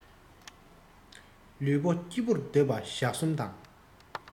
ལུས པོ སྐྱིད པོར སྡོད པ ཞག གསུམ དང